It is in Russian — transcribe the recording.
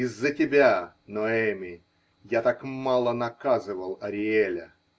Из-за тебя, Ноэми, я так мало наказывал Ариэля.